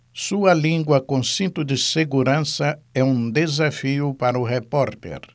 sua língua com cinto de segurança é um desafio para o repórter